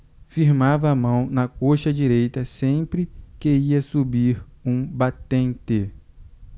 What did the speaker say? firmava a mão na coxa direita sempre que ia subir um batente